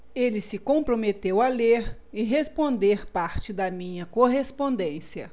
ele se comprometeu a ler e responder parte da minha correspondência